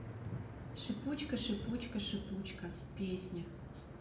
шипучка шипучка шипучка песня